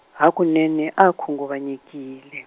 hakunene a khunguvanyekile.